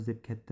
deb katta